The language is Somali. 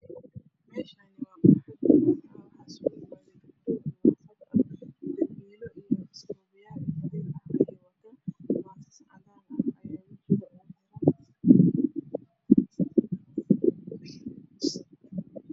Meeshaani waa barxad waxaa isugu imaaday dad badan waana xaflad Maro cagaar ayey wataan